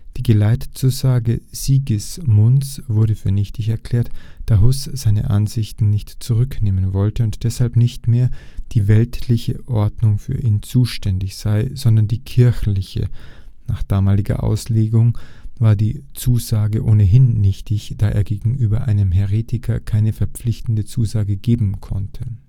Die Geleitzusage Sigismunds wurde für nichtig erklärt, da Hus seine Ansichten nicht zurücknehmen wolle und deshalb nicht mehr die weltliche Ordnung für ihn zuständig sei, sondern die kirchliche (nach damaliger Auslegung war die Zusage ohnehin nichtig, da es gegenüber einem Häretiker keine verpflichtende Zusage geben konnte